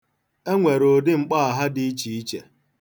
E nwere ụdị mkpọaha dị iche iche.